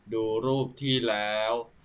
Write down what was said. ดูรูปที่แล้ว